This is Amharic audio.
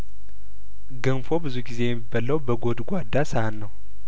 ገንፎ ብዙ ጊዜ የሚበላው በጐድጓዳ ሳህን ነው